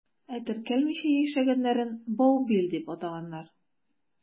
Ә теркәлмичә яшәгәннәрен «баубил» дип атаганнар.